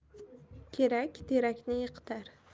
kerak terakni yiqitar